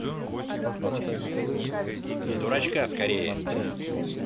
дурачка скорее